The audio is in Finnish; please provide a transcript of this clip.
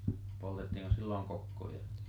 poltettiinkos silloin kokkoja